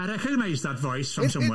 I recognise that voice from somewhere.